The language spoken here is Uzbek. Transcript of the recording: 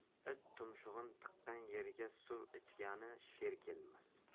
it tumshug'ini tiqqan yerga suv ichgali sher kelmas